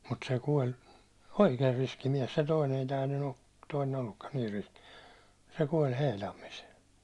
mutta se kuoli oikein riski mies se toinen ei tämä nyt toinen ollutkaan niin riski se kuoli Heilammissa